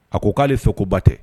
A ko k'ale fɛ ko ba tɛ.